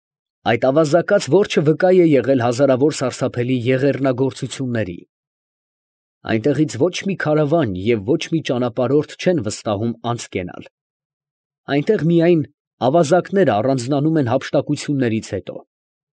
Այդ ավազակաց որջը վկա է եղել հազարավոր սարսափելի եղեռնագործությունների. այնտեղից ոչ մի քարավան և ոչ մի ճանապարհորդ չեն վստահում անցկենալ, այնտեղ միայն ավազակները առանձնանում են հափշտակություններից հետո։